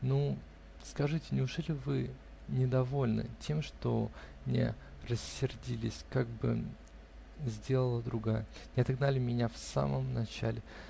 Ну, скажите, неужели вы недовольны тем, что не рассердились, как бы сделала другая, не отогнали меня в самом начале?